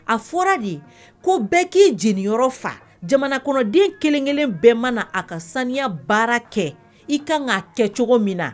A fɔra de ko bɛɛ ki jeniyɔrɔ fa. Jamana kɔnɔ den kelen-kelen bɛɛ mana na a ka saniya baara kɛ, i kan ka kɛ cogo min na.